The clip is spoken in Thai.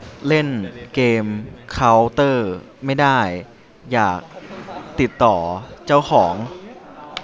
เล่นเกมเค้าเตอร์ไม่ได้อยากติดต่อเจ้าของ